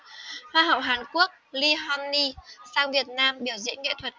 hoa hậu hàn quốc lee honey sang việt nam biểu diễn nghệ thuật